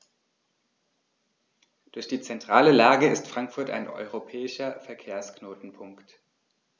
Durch die zentrale Lage ist Frankfurt ein europäischer Verkehrsknotenpunkt.